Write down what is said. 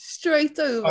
Straight ove-...